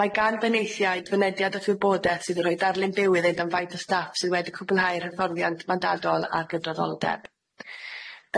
Mae gan bneithiaid fynediad at wybodeth sydd yn rhoi darlun byw iddynt am faint o staff sydd wedi cwblhau'r hyfforddiant mandadol ar gydraddoldeb.